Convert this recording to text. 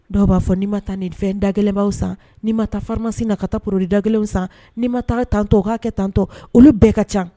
Dɔw b'a fɔ ni ma taa nin fɛn dagɛlɛmanw san, ni ma taa pharmacie la ka taa produit dagɛlɛnw san, ni ma taa tantɔ o ka kɛ tantɔ olu bɛɛ ka ca